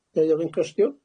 Neu ofyn cwestiwn?